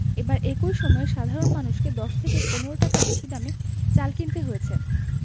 এবার একই সময়ে সাধারণ মানুষকে ১০ থেকে ১৫ টাকা বেশি দামে চাল কিনতে হয়েছে